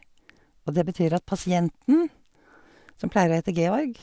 Og det betyr at pasienten, som pleier å hete Georg...